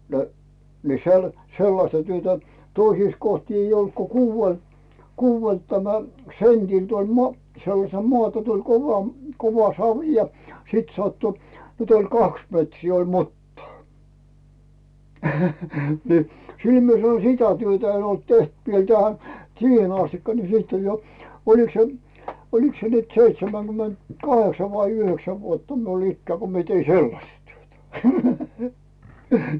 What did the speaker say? no niin se oli sellaista työtä toisissa kohti ei ollut kun kuudella kuudelta tämä sentiltä oli - sellaisella maata tuli kova kova savi ja sitten sattui nyt oli kaksi metriä oli mutaa niin sillä minä sanoin sitä työtä en ollut tehnyt vielä tähän siihen asti niin sitten oli jo olikos se olikos se nyt seitsemänkymentäkahdeksan vai yhdeksän vuotta minulla ikää kun minä tein sellaista työtä